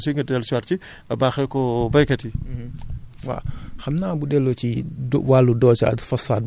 am na aussi tamit ak mbay yi nga xamante ne xëy na dosage beeg yooyu yépp bëgg naa aussi nga dellusiwaat si baaxee ko baykat yi